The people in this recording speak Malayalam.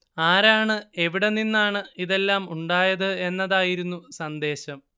ആരാണ് എവിടെ നിന്നാണ് ഇതെല്ലാം ഉണ്ടായത് എന്നതായിരുന്നു സന്ദേശം